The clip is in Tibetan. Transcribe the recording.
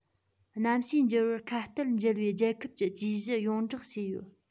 གནམ གཤིས འགྱུར བར ཁ གཏད འཇལ བའི རྒྱལ ཁབ ཀྱི ཇུས གཞི ཡོངས བསྒྲགས བྱས ཡོད